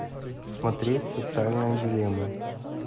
смотреть социальная дилемма